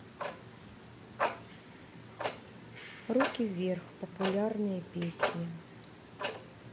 руки вверх популярные песни